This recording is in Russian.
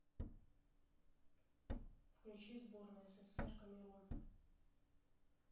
включи сборная ссср камерун